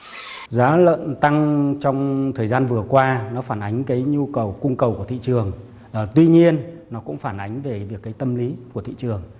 giá lợn tăng trong thời gian vừa qua nó phản ánh cấy nhu cầu cung cầu của thị trường ờ tuy nhiên nó cũng phản ánh về việc cấy tâm lý của thị trường